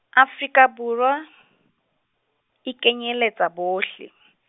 Afrika Borwa, e kenyeletsa bohle.